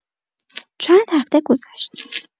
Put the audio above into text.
چند هفته گذشت.